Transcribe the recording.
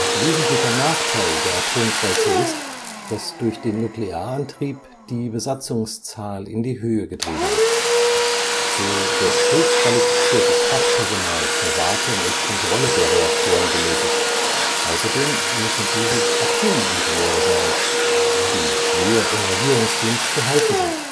Wesentlicher Nachteil der Atomkreuzer ist, dass durch den Nuklearantrieb die Besatzungszahl in die Höhe getrieben wird. So wird hochqualifiziertes Fachpersonal zur Wartung und Kontrolle der Reaktoren benötigt, außerdem müssen dieses Atomingenieure sein, die schwer im Regierungsdienst zu halten sind